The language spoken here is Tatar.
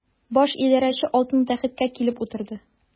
Баш идарәче алтын тәхеткә килеп утырды.